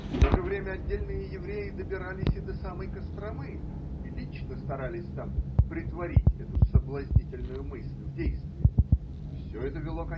В то же время отдельные евреи добирались и до самой Костромы и лично старались там претворить эту соблазнительную мысль в действие. Все это вело.